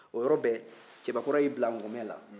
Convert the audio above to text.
o yɔrɔ bɛɛ cɛbakɔrɔ y'i bil'a ŋɔmɛ la